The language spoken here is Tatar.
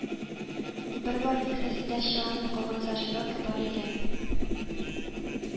Бер байның кесәсендә чыланмый калган зажигалка бар икән